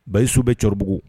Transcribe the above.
Bayisu bɛ Cɔribugu